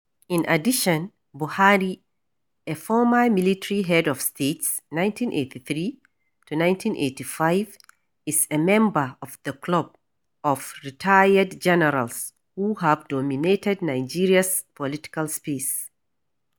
In addition, Buhari a former military head of state (1983-1985) is a member of the ‘club’ of retired generals who have dominated Nigeria’s political space.